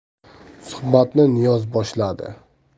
suhbatni niyoz boshladi